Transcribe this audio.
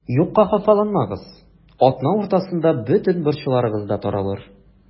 Юкка хафаланмагыз, атна уртасында бөтен борчуларыгыз да таралыр.